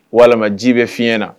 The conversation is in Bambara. Walima ji bɛ fiɲɛ na